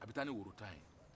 a bɛ taa ni worotan ye